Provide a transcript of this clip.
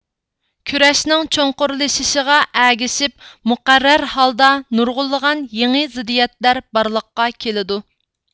كۈرەشنىڭ چوڭقۇرلىشىشىغا ئەگىشىپ مۇقەررەر ھالدا نۇرغۇنلىغان يېڭى زىددىيەتلەر بارلىققا كېلىدۇ